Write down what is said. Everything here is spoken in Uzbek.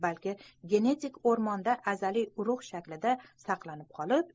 balki genetik o'rmonda azaliy urug' shaklida saqlanib qolib